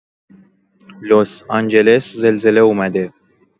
لس‌آنجلس زلزله اومده